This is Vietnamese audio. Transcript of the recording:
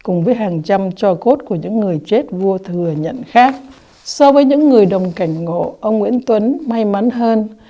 cùng với hàng trăm tro cốt của những người chết vô thừa nhận khác so với những người đồng cảnh ngộ ông nguyễn tuấn may mắn hơn